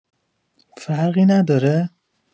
فرقی نداره؟